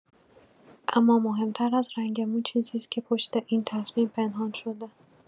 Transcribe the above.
اما مهم‌تر از رنگ مو، چیزی است که پشت این تصمیم پنهان شده.